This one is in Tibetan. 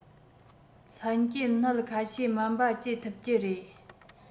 ལྷན སྐྱེས ནད ཁ ཤས སྨན པ བཅོས ཐུབ ཀྱི རེད